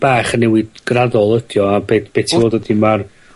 bach a newid graddol ydi o. A be' be' ti ydi ma'r